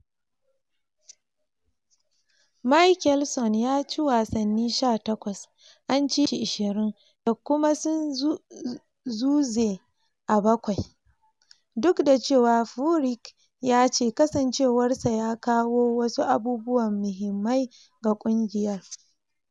Mickelson ya ci wasanni 18, an ci shi 20 da kuma sun zuze a bakwai, duk da cewa Furyk ya ce kasancewarsa ya kawo wasu abubuwan mahimmai ga kungiyar.